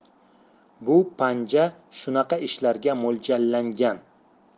bu panja shunaqa ishlarga mo'ljallangan